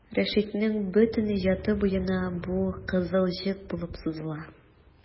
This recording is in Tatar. Рәшитнең бөтен иҗаты буена бу кызыл җеп булып сузыла.